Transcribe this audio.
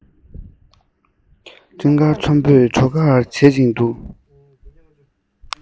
སྤྲིན དཀར ཚོམ བུས བྲོ གར བྱེད ཅིང འདུག